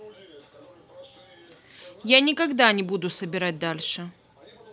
я никогда не буду собирать дальше